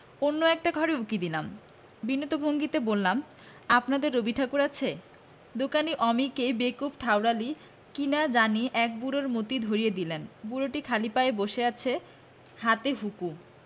অন্য একার্ট ঘরে উকি দিলাম বিনীত ভঙ্গিতে বললাম আপনাদের রবিঠাকুর আছে দোকানী অমিকে বেকুব ঠাওড়ালী কিনা জানি এক বুড়োর মতী ধরিয়ে দিল বুড়োটি খালি গায়ে বসে আছে হাতে হুঁকো